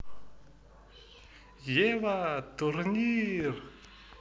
ева турнир